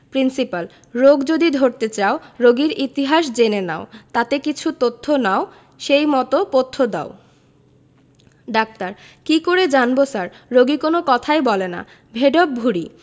principal রোগ যদি ধরতে চাও রোগীর ইতিহাস জেনে নাও তাতে কিছু তথ্য নাও সেই মত পথ্য দাও ডাক্তার কি করে জানব স্যার রোগী কোন কথাই বলে না বেঢপ ভূঁড়ি